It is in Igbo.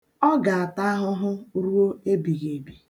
Ọ ga-ata ahụhụ ruo ebighiebi.